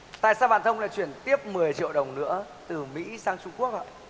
tại sao bạn thông lại chuyển tiếp mười triệu đồng nữa từ mỹ sang trung quốc ạ